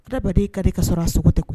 Adamabaden e ka di ka sɔrɔ a so tɛ koyi